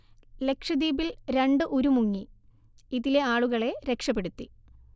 ലക്ഷദ്വീപിൽ രണ്ട് ഉരു മുങ്ങി ഇതിലെആളുകളെ രക്ഷപെടുത്തി